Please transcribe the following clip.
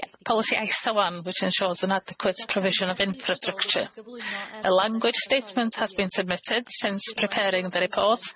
Policy one which ensures an adequate provision of infrastructure, a language statement has been submitted since preparing the report.